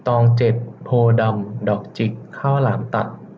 ตองเจ็ดโพธิ์ดำดอกจิกข้าวหลามตัด